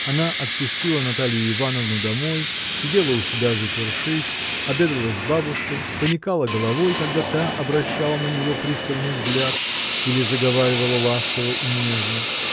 Она отпустила Наталью Ивановну домой, сидела у себя запершись, обедала с бабушкой, поникала головой, когда та обращала на нее пристальный взгляд или заговаривала ласково и нежно.